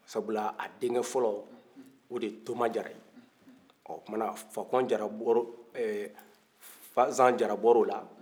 sabula a denkɛ folo o de ye toma jara ye ɔɔ kumana fakɔn jara bɔro ɛɛ fazan jara bɔra o la